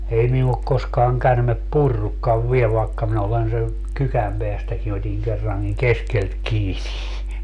ei minua ole koskaan käärme purrutkaan vielä vaikka minä olen se kykän päästäkin otin kerrankin keskeltä kiinni